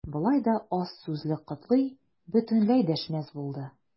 Болай да аз сүзле Котлый бөтенләй дәшмәс булды.